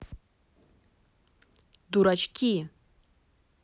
дурачки